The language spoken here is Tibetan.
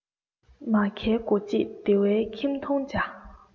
མ མཁའི སྒོ འབྱེད བདེ བའི ཁྱིམ མཐོང བྱ